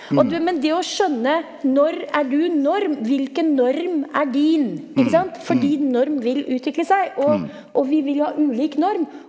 og du men det å skjønne når er du norm, hvilke norm er din ikke sant fordi norm vil utvikle seg, og og vi vil ha ulik norm.